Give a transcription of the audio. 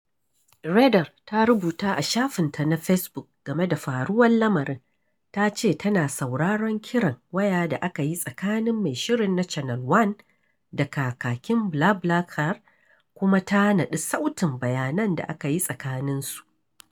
Reyder ta rubuta a shafinta na Fesbuk game da faruwar lamarin. Ta ce tana sauraron kiran waya da aka yi tsakanin mai shirin na Channel One da kakakin BlaBlaCar kuma ta naɗi sautin bayanan da aka yi tsakaninsu: